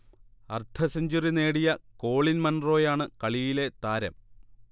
അർധ സെഞ്ച്വറി നേടിയ കോളിൻ മൺറോയാണ് കളിയിലെ താരം